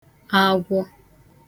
agwọ